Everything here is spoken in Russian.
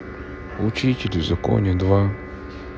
учитель в законе два